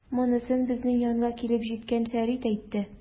Монысын безнең янга килеп җиткән Фәрит әйтте.